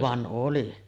vaan oli